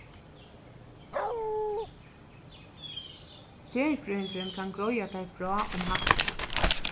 serfrøðingurin kann greiða tær frá um hatta